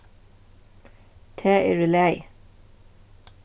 tað er í lagi